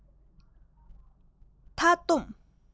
མཐའ བསྡོམས